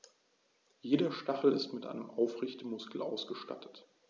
Jeder Stachel ist mit einem Aufrichtemuskel ausgestattet.